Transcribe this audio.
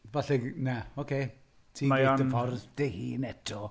Falle na oce. Ti'n... Mae o'n. ... Cael ffordd dy hun eto.